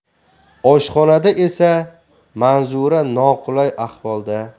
oshxonada esa manzura noqulay ahvolda